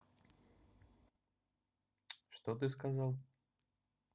что ты сказал